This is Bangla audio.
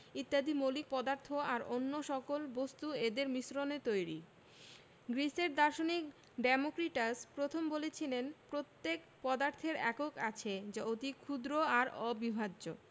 ইত্যাদি মৌলিক পদার্থ আর অন্য সকল বস্তু এদের মিশ্রণে তৈরি গ্রিসের দার্শনিক ডেমোক্রিটাস প্রথম বলেছিলেন প্রত্যেক পদার্থের একক আছে যা অতি ক্ষুদ্র আর অবিভাজ্য